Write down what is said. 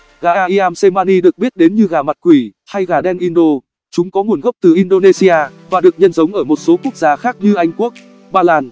gà ayam cemani được biết đến như gà mặt quỷ hay gà đen indo chúng có nguồn gốc từ indonesia và được nhân giống ở một số quốc gia khác như anh quốc ba lan